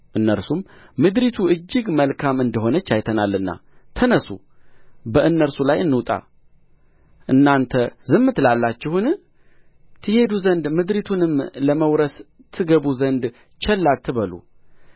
እነርሱም ምድሪቱን እግጅ መልካም እንደ ሆነች አይተናልና ተነሡ በእነርሱ ላይ እንውጣ እናንተ ዝም ትላላችሁን ትሄዱ ዘንድ ምድሪቱንም ለመውረስ ትገቡ ዘንድ ቸል አትበሉ